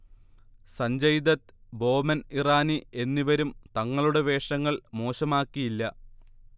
സഞ്ജയ്ദത്ത്, ബോമൻ ഇറാനി എന്നിവരും തങ്ങളുടെ വേഷങ്ങൾ മോശമാക്കിയില്ല